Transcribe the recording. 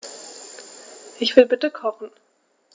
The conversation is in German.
Ich will bitte kochen.